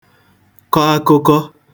kọ akụkọ